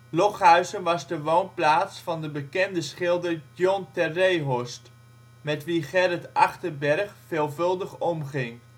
Lochuizen was de woonplaats van de bekende schilder John ter Reehorst, met wie Gerrit Achterberg veelvuldig omging